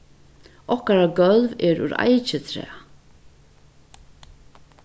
okkara gólv er úr eikitræ